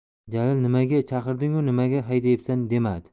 jalil nimaga chaqirdingu nimaga haydayapsan demadi